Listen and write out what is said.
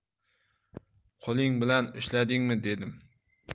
qo'ling bilan ushladingmi dedim